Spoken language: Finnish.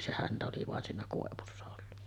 se häntä oli vain siinä koivussa ollut